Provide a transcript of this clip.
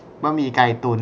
บะหมี่ไก่ตุ่น